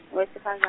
wesifaza-.